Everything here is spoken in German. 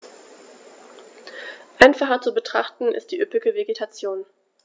Einfacher zu betrachten ist die üppige Vegetation.